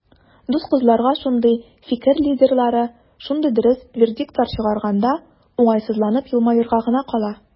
Дус кызларга шундый "фикер лидерлары" шундый дөрес вердиктлар чыгарганда, уңайсызланып елмаерга гына кала.